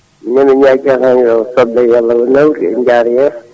minen ñaagui tan soble yo Allah nanggu ɗe jaara yeeso